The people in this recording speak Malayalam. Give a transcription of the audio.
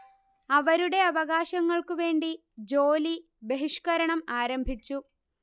അവരുടെ അവകാശങ്ങൾക്കു വേണ്ടി ജോലി ബഹിഷ്കരണം ആരംഭിച്ചു